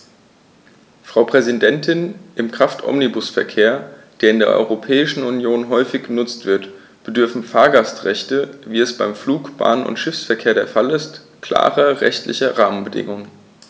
Frau Präsidentin, im Kraftomnibusverkehr, der in der Europäischen Union häufig genutzt wird, bedürfen Fahrgastrechte, wie es beim Flug-, Bahn- und Schiffsverkehr der Fall ist, klarer rechtlicher Rahmenbedingungen.